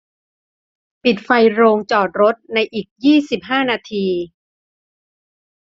ปิดไฟโรงจอดรถในอีกยี่สิบห้านาที